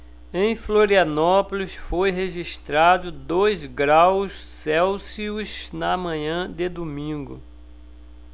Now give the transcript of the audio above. em florianópolis foi registrado dois graus celsius na manhã de domingo